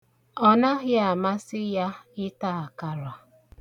Ọ naghị amasị ya ịta akara.